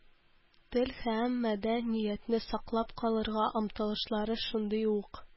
Тел һәм мәдәниятне саклап калырга омтылышлары шундый ук.